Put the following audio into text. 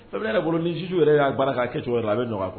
Fɛn min ne yɛrɛ bolo ni juges yɛrɛ y'a baara kɛ a kɛcogo la a bɛ nɔgɔya _quoi